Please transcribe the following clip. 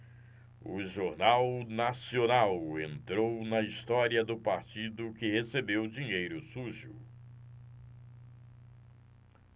o jornal nacional entrou na história do partido que recebeu dinheiro sujo